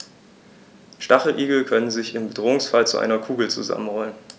Stacheligel können sich im Bedrohungsfall zu einer Kugel zusammenrollen.